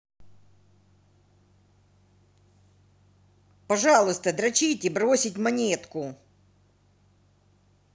пожалуйста дрочить и подбрось монетку